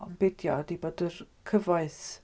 Ond be ydy o, ydy bod yr cyfoeth...